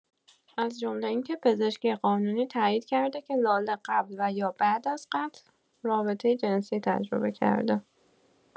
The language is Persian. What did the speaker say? از جمله اینکه پزشکی قانونی تایید کرده که لاله قبل و یا بعد از قتل رابطۀ جنسی تجربه کرده.